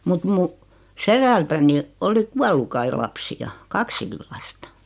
mutta minun sedältäni oli kuollut kai lapsia kaksikin lasta